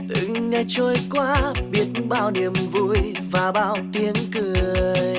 từng ngày trôi qua biết bao niềm vui và bao tiếng cười